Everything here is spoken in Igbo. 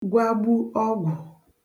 gwagbu ọgwụ̀